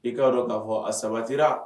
I k'a dɔn k'a fɔ a sabatira